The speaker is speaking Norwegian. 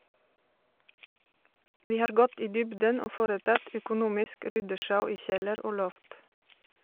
- Vi har gått i dybden og foretatt økonomisk ryddesjau i kjeller og loft.